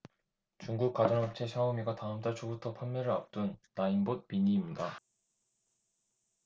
중국 가전업체 샤오미가 다음 달 초부터 판매를 앞둔 나인봇 미니입니다